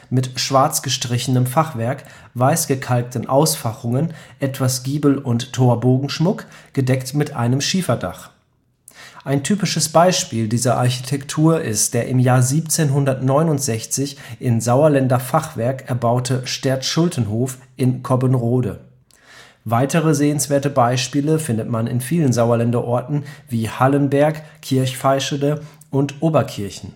mit schwarz gestrichenem Fachwerk, weiß gekalkten Ausfachungen, etwas Giebel - und Torbogenschmuck, gedeckt mit einem Schieferdach. Ein typisches Beispiel dieser Architektur ist der im Jahr 1769 in Sauerländer Fachwerk erbaute Stertschultenhof in Cobbenrode. Weitere sehenswerte Beispiele findet man in vielen Sauerländer Orten wie Hallenberg, Kirchveischede und Oberkirchen